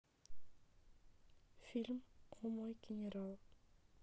фильм о мой генерал